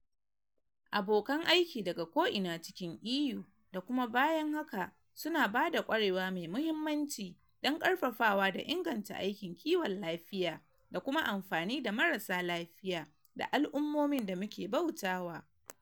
Abokan aiki daga ko'ina cikin EU, da kuma bayan haka, su na ba da kwarewa mai mahimmanci don ƙarfafawa da inganta aikin kiwon lafiya, da kuma amfani da marasa lafiya da al'ummomin da muke bautawa.